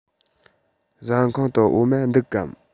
ཟ ཁང དུ འོ མ འདུག གམ